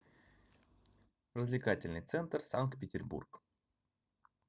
развлекательный центр санкт петербург